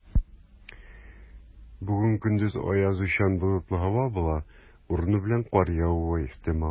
Бүген көндез аязучан болытлы һава була, урыны белән кар явуы ихтимал.